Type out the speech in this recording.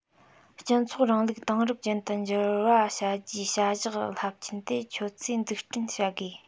སྤྱི ཚོགས རིང ལུགས དེང རབས ཅན དུ འགྱུར བ བྱ རྒྱུའི བྱ གཞག རླབས ཆེན དེ ཁྱེད ཚོས འཛུགས སྐྲུན བྱ དགོས